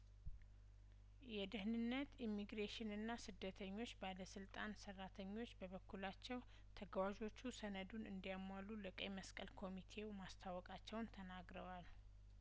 የደህንነት ኢሚግሬሽንና ስደተኞች ባለስልጣን ሰራተኞች በበኩላቸው ተጓዦቹ ሰነዱን እንዲያሟሉ ለቀይመስቀል ኮሚቴው ማስታወቃቸውን ተናግረዋል